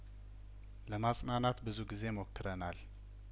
ለማጽናናት ብዙ ጊዜ ሞክረናል